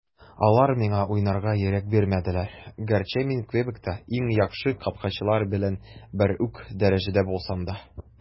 Алар миңа уйнарга ирек бирмәделәр, гәрчә мин Квебекта иң яхшы капкачылар белән бер үк дәрәҗәдә булсам да.